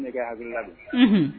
Ne ka hakilina don unhun